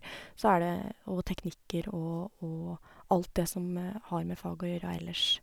Så er det òg teknikker og og alt det som har med faget å gjøre ellers.